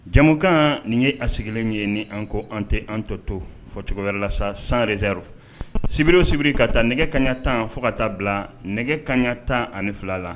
Jamukan nin ye a sigilen ye ni anko an tɛ an tɔ to fɔcogo wɛrɛ la san zeriro sibiri sibiri ka taa nɛgɛ kaɲa tan fo ka taa bila nɛgɛ kaɲa tan ani fila la